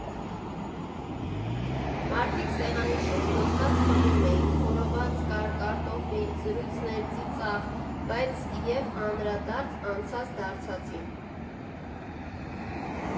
Մարդիկ սեղանի շուրջ նստած խմում էին, խորոված կար, կարտոֆիլ, զրույցներ, ծիծաղ, բայց և անդրադարձ անցած֊դարձածին։